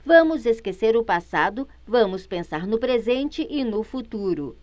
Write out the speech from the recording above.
vamos esquecer o passado vamos pensar no presente e no futuro